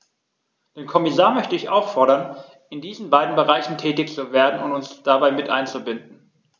Den Kommissar möchte ich auffordern, in diesen beiden Bereichen tätig zu werden und uns dabei mit einzubinden.